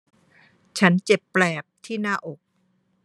ฉันเจ็บแปลบที่หน้าอก